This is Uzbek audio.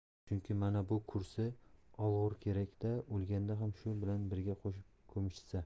nimaga chunki mana bu kursi o'lgur kerak da o'lganda ham shu bilan birga qo'shib ko'mishsa